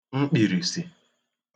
mkpị̀rìsì